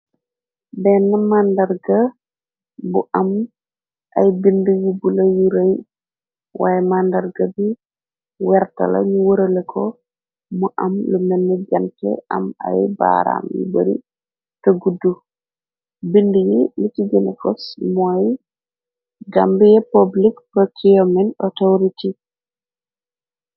benn màndarga bu am ay bind yi bu la yu rëy waaye màndarga bi wertala ñu wërale ko mu am lu menn janke am ay baaraam yu bari te guddu bind yi lici genakos mooy Gambia public procurement authority